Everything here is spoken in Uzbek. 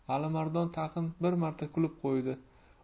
alimardon tag'in bir marta kulib qo'ydi